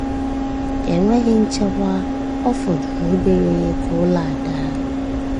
Na-enweghị nchekwa, ọ fọdụrụ obere ka ụlọ a daa.